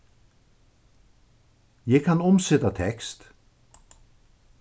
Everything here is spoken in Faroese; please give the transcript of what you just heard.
eg kann umseta tekst